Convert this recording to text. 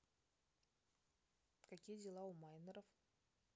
какие дела у майнеров